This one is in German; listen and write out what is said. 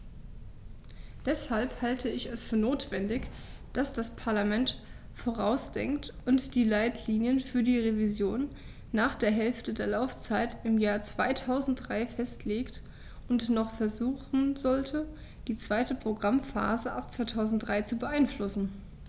Deshalb halte ich es für notwendig, dass das Parlament vorausdenkt und die Leitlinien für die Revision nach der Hälfte der Laufzeit im Jahr 2003 festlegt und noch versuchen sollte, die zweite Programmphase ab 2003 zu beeinflussen.